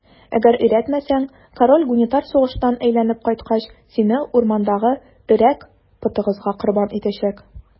Әгәр өйрәтмәсәң, король Гунитар сугыштан әйләнеп кайткач, сине урмандагы Өрәк потыгызга корбан итәчәк.